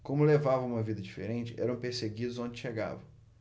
como levavam uma vida diferente eram perseguidos onde chegavam